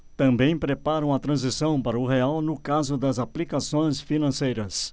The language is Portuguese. também preparam a transição para o real no caso das aplicações financeiras